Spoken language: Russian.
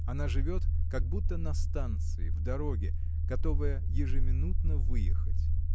Она живет — как будто на станции, в дороге, готовая ежеминутно выехать.